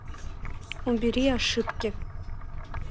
убери ошибки